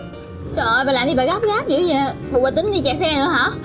trời ơi bà làm cái gì bà gấp gáp dữ vậy bộ bà tính đi chạy xe nữa hả